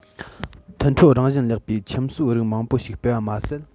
མཐུན འཕྲོད རང བཞིན ལེགས པའི ཁྱིམ གསོས རིགས མང པོ ཞིག སྤེལ བ མ ཟད